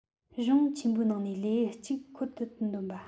གཞུང ཆེན པོའི ནང ནས ལེའུ གཅིག ཁོལ དུ འདོན པ